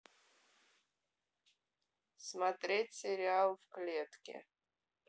смотреть сериал в клетке